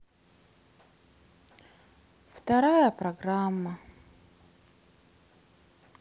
вторая программа